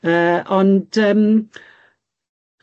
Yy ond yym